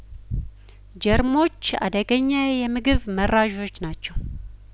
ጀርሞች አደገኛ የምግብ መራዦች ናቸው